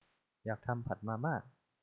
อยากทำผัดมาม่า